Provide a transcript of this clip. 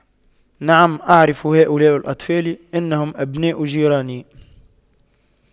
نعم اعرف هؤلاء الأطفال إنهم أبناء جيراني